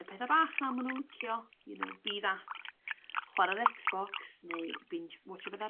y petha bach 'na ma' nw'n licio you know be that chwara'r Xbox neu binge watch rwbath ar